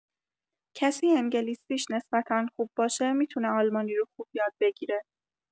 کسی انگلیسیش نسبتا خوب باشه می‌تونه المانی رو خوب یاد بگیره.